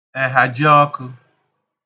èhàjiọkə̣̄